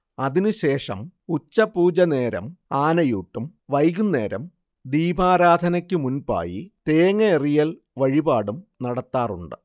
അതിനുശേഷം ഉച്ചപൂജനേരം ആനയൂട്ടും വൈകുന്നേരം ദീപാരാധനക്കുമുൻപായി തേങ്ങായെറിയല്‍ വഴിപാടും നടത്താറുണ്ട്